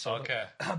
So ocê.